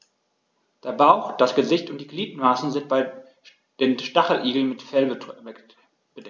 Der Bauch, das Gesicht und die Gliedmaßen sind bei den Stacheligeln mit Fell bedeckt.